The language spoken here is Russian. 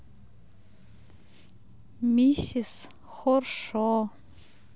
миссис хоршо